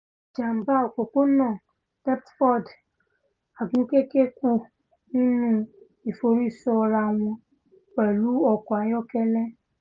Ìjàm̀bá òpópónà Deptford: Agunkẹ̀kẹ́ kú nínú ìforísọrawọn pẹ̀lú ọkọ ayọ́kẹ́lẹ́